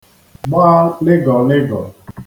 gba lịgọ̀lịgọ̀